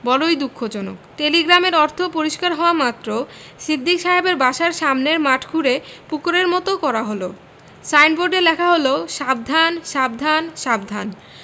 বড়ই দুঃখজনক টেলিগ্রামের অর্থ পরিষ্কার হওয়ামাত্র সিদ্দিক সাহেবের বাসার সামনের মাঠ খুঁড়ে পুকুরের মৃত করা হল সাইনবোর্ডে লেখা হল সাবধান সাবধান সাবধান